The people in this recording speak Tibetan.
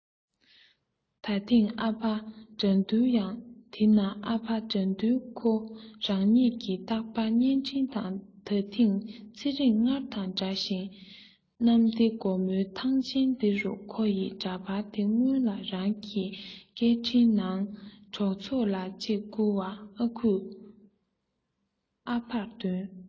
ད ཐེངས ཨ ཕ དགྲ འདུལ ཡང དེ ན ཨ ཕ དགྲ འདུལ ཁོ རང ཉིད ཀྱི རྟག པར བརྙན འཕྲིན ད ཐེངས ཚེ རིང སྔར དང འདྲ ཞིང ཞིང གནམ བདེ སྒོ མོའི ཐང ཆེན དེ རུ ཁོ ཡི འདྲ པར དེ སྔོན ལ རང གི སྐད འཕྲིན ནང གི གྲོགས ཚོམ ལ གཅིག བསྐུར བ ཨ ཁུས ཨ ཕར སྟོན